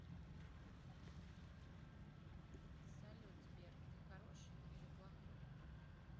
салют сбер ты хороший или плохой